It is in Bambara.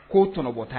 Koo t bɔta